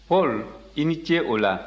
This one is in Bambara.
paul i ni ce o la